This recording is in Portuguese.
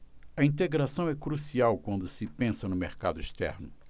a integração é crucial quando se pensa no mercado externo